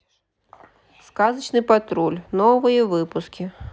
сказочный патруль новые выпуски